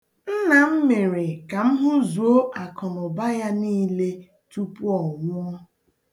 Nna m mere ka m hụzuo akụnụụba ya niile tupu ọ nwụọ.